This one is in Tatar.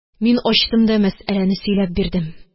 Мин ачтым да мәсьәләне сөйләп бирдем.